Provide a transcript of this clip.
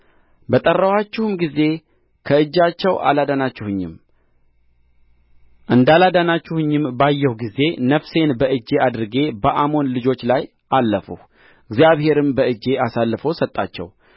በጠራኋችሁም ጊዜ ከእጃቸው አላዳናችሁኝም እንዳላዳናችሁኝም ባየሁ ጊዜ ነፍሴን በእጄ አድርጌ በአሞን ልጆች ላይ አለፍሁ እግዚአብሔርም በእጄ አሳልፎ ሰጣቸው